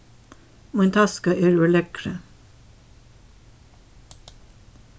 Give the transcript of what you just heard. mín taska er úr leðri